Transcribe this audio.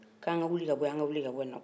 ko ko anw ka wuli ka bɔ yan an wuli ka bɔ nin na